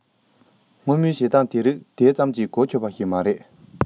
སྔོན མའི བྱེད སྟངས དེ རིགས དེ ཙམ གྱིས གོ ཆོད པ ཞིག མ རེད